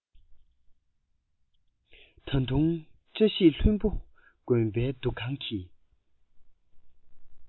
ད དུང བཀྲ ཤིས ལྷུན པོ དགོན པའི འདུ ཁང གི